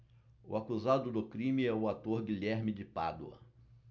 o acusado do crime é o ator guilherme de pádua